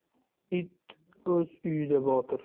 it o'z uyida botir